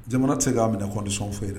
Jamana tɛ se k'a minɛɔndi foyi yen